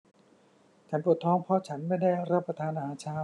ฉันปวดท้องเพราะฉันไม่ได้รับประทานอาหารเช้า